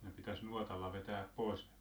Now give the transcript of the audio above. ne pitäisi nuotalla vetää pois ne